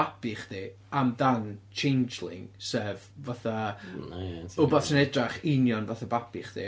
babi chdi amdan changeling, sef fatha... O ia, ti'n iawn. ...wbath sy'n edrych union fatha babi chdi